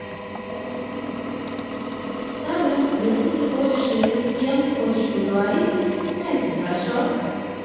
салют если ты хочешь если с кем ты хочешь поговорить ты не стесняйся хорошо